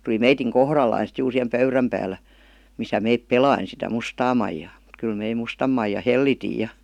tuli meidän kohdallamme sitten juuri siihen pöydän päällä missä me pelasimme sitä mustaa maijaa mutta kyllä me mustan maijan hellitimme ja